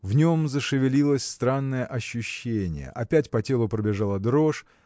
В нем зашевелилось странное ощущение опять по телу пробежала дрожь